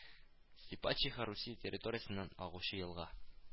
Степачиха Русия территориясеннән агучы елга